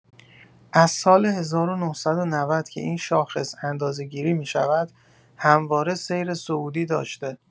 از سال ۱۹۹۰ که این شاخص اندازه‌گیری می‌شود، همواره سیر صعودی داشته.